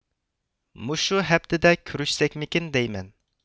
مۇشۇ ھەپتىدە كۆرۈشسەكمىكىن دەيمەن